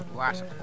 waata